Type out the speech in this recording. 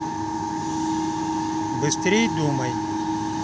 быстрее думай